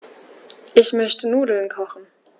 Ich möchte Nudeln kochen.